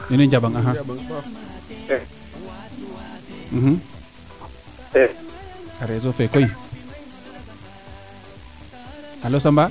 iway njambang a paax reseau fee koy alo Samba